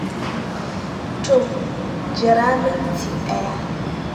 To, jira minti daya.